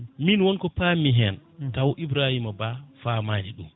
min wonko pammi hen taw Ibrahima Ba famani ɗum